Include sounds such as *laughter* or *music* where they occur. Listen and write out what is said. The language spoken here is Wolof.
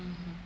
*hesitation* *hesitation*